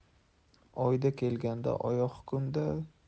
oyda kelganga oyoq